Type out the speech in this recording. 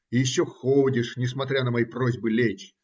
И еще ходишь, несмотря на мои просьбы лечь.